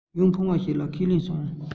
ཡིད ཕངས བ ཞིག ལ ཁས ལེན སོང